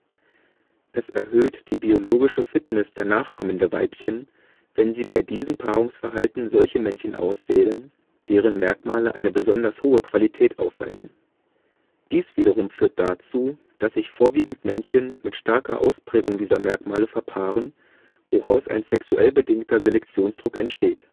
erhöht die biologische Fitness der Nachkommen der Weibchen, wenn sie bei diesem Paarungs­verhalten solche Männchen auswählen, deren Merkmale eine besonders hohe Qualität aufweisen. Dies wiederum führt dazu, dass sich vorwiegend Männchen mit starker Ausprägung dieser Merkmale verpaaren, woraus ein sexuell bedingter Selektionsdruck entsteht